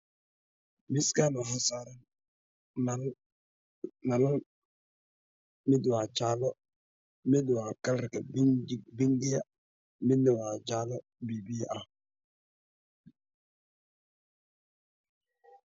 Miskani waxa saran nalal mid waa jaalo mid waa kalarka bingiga midna wa jaalo biyo biyo ah